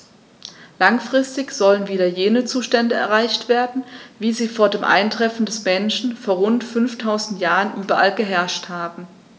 Langfristig sollen wieder jene Zustände erreicht werden, wie sie vor dem Eintreffen des Menschen vor rund 5000 Jahren überall geherrscht haben.